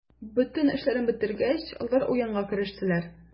Бөтен эшләрен бетергәч, алар уенга керештеләр.